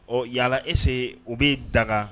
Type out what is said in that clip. Ɔ yalala ese u bɛ dagaga